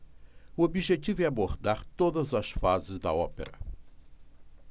o objetivo é abordar todas as fases da ópera